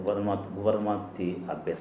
Tɛ a bɛɛ sa